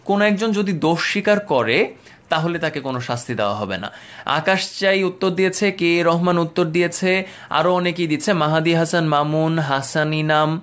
কোন একজন যদি দোষ স্বীকার করে তাহলে তাকে কোন শাস্তি দেয়া হবে না আকাশ চাই উত্তর দিয়েছে কে রহমান উত্তর দিয়েছে আরো অনেকেই দিচ্ছে মাহাদী হাসান মামুন হাসান ইনাম